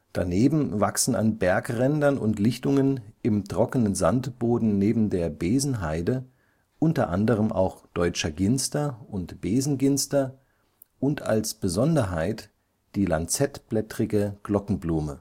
Daneben wachsen an Wegrändern und Lichtungen im trockenen Sandboden neben der Besenheide u. a. auch Deutscher Ginster und Besenginster und als Besonderheit die Lanzettblättrige Glockenblume